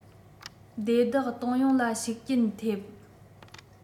སྡེ བདག གཏོང ཡོང ལ ཤུགས རྐྱེན ཐེབས